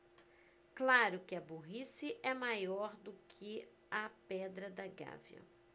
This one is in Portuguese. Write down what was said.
claro que a burrice é maior do que a pedra da gávea